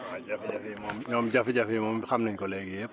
waaw jafe-jafe yi moom ñoom jafe-jafe yi moom xam nañ ko léegi yëpp